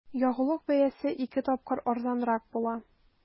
Ягулык бәясе ике тапкыр арзанрак була.